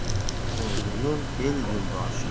to'g'ri yo'l el yo'ldoshi